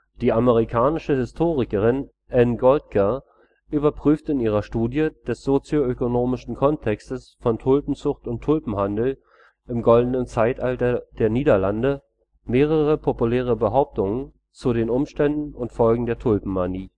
Die amerikanische Historikerin Anne Goldgar überprüft in ihrer Studie des sozio-ökonomischen Kontextes von Tulpenzucht und Tulpenhandel im Goldenen Zeitalter der Niederlande mehrere populäre Behauptungen zu den Umständen und Folgen der Tulpenmanie